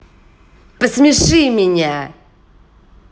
посмеши меня